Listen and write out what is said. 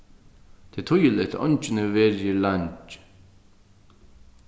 tað er týðiligt at eingin hevur verið her leingi